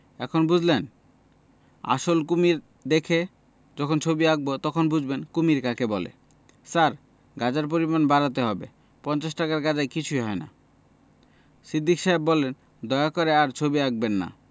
এখন বুঝলেন আসল কমীর দেখে যখন ছবি আঁকব তখন বুঝবেন কুমীর কাকে বলে স্যার গাঁজার পরিমাণ বাড়াতে হবে পঞ্চাশ টাকার গাজায় কিছুই হয় না সিদ্দিক সাহেব বললেন দয়া করে আর ছবি আঁকবেন না